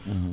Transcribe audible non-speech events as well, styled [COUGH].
[HESITATION] [HESITATION]